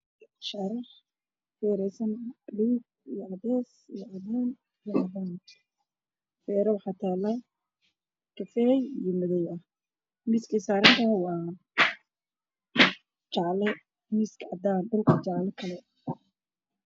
Waa shaati cadaan feero ayaa saaran